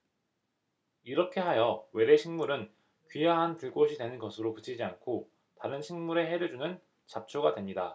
이렇게 하여 외래 식물은 귀화한 들꽃이 되는 것으로 그치지 않고 다른 식물에 해를 주는 잡초가 됩니다